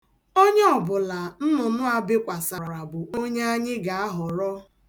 Onye ọbụla nnụnụ a bekwasara bụ onye anyị ga-ahọrọ.